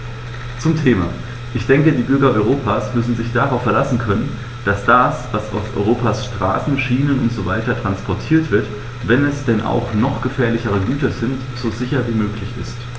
Zum Thema: Ich denke, die Bürger Europas müssen sich darauf verlassen können, dass das, was auf Europas Straßen, Schienen usw. transportiert wird, wenn es denn auch noch gefährliche Güter sind, so sicher wie möglich ist.